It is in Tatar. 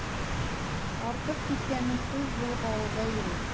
Артып киткәне сүз булып авылда йөри.